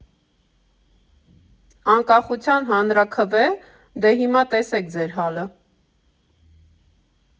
Անկախության հանրաքվե՞, դե՛, հիմա տեսեք ձեր հալը։